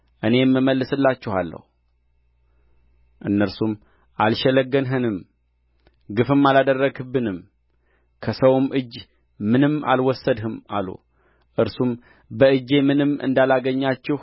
እኔም እመልስላችኋለሁ እነርሱም አልሸነገልኸንም ግፍም አላደረግህብንም ከሰውም እጅ ምንም አልወሰድህም አሉ እርሱም በእጄ ምንም እንዳላገኛችሁ